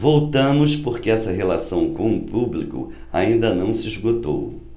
voltamos porque essa relação com o público ainda não se esgotou